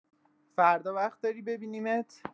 فردا وقت داری ببینیمت؟